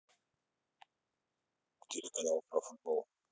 телеканал про футбол